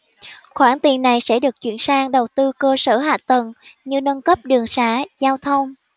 khoản tiền này sẽ được chuyển sang đầu tư cơ sở hạ tầng như nâng cấp đường sá giao thông